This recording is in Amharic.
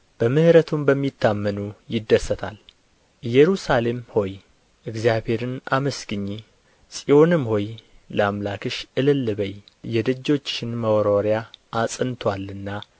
በምሕረቱም በሚታመኑት ይደሰታል ኢየሩሳሌም ሆይ እግዚአብሔርን አመስግኚ ጽዮንም ሆይ ለአምላክሽ እልል በዪ የደጆችሽን መወርወሪያ አጽንቶአልና